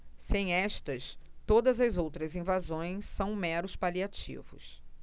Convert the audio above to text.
sem estas todas as outras invasões são meros paliativos